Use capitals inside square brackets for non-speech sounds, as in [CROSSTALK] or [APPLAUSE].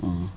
[HESITATION] [HESITATION]